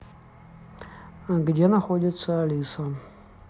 где находится алиса